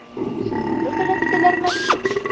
Чыннан да таләп итәләрме?